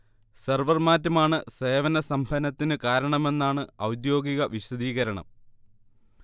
server മാറ്റമാണ് സേവന സ്തംഭനത്തിന് കാരണമെന്നാണ് ഔദ്യോഗിക വിശദീകരണം